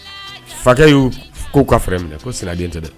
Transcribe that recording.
Fakɛ y'u ko ka fɛ minɛ ko sirajɛden tɛ dɛ